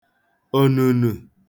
ònùnù